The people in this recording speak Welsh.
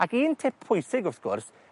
Ac un tip pwysig wrth gwrs